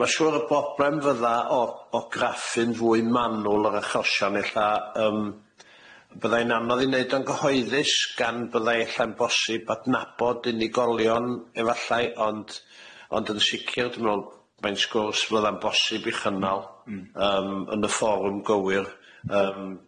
Ma' siŵr y broblem fydda o o graffu'n fwy manwl yr achosion ella yym bydda i'n anodd i neud o'n gyhoeddus gan bydda i ella'n bosib adnabod unigolion efallai ond ond yn sicir dwi me'wl mae'n sgwrs fydda'n bosib i chynnal. Hmm. Yym yn y fforwm gywir yym.